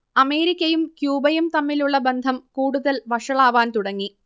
അമേരിക്കയും ക്യൂബയും തമ്മിലുള്ള ബന്ധം കൂടുതൽ വഷളാവാൻ തുടങ്ങി